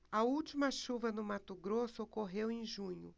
a última chuva no mato grosso ocorreu em junho